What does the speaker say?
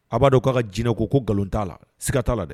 A b'a dɔn k'a ka jinɛinɛ ko ko nkalon t'a la siigaka t'a dɛ